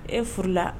E furula